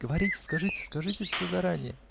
говорите, скажите, скажите всё заране